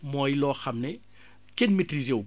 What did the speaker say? mooy loo xam ne kenn maitriser wu ko